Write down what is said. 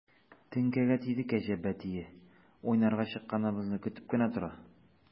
Теңкәгә тиде кәҗә бәтие, уйнарга чыкканыбызны көтеп кенә тора.